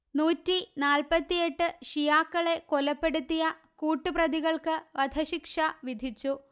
നൂറ്റി നാല്പ്പത്തിയെട്ട് ഷിയാകളെ കൊലപ്പെടുത്തിയ കൂട്ടു പ്രതികള്ക്ക് വധശിക്ഷ വിധിച്ചു